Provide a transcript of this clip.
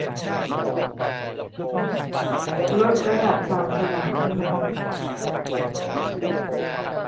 ลดระดับความสว่างให้หน่อย